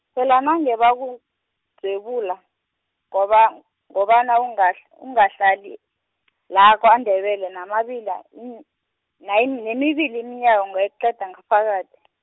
phela nange bakudzwebula, ngoba, ngobana ungahl- ungahlali, la kwaNdebele namibili ning- nai- nemibili iminyaka ungayiqeda ngaphakathi.